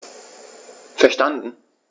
Verstanden.